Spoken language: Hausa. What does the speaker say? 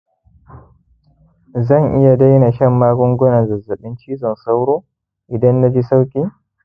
zan iya daina shan magungunan zazzabin cizon sauro idan na ji sauki